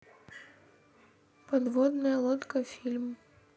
подводная лодка фильм